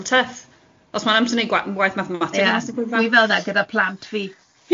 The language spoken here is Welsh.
well, tough, os mae'n amser wneud gwa- gwaith mathemateg... Ie, dwi fel'na gyda plant fi.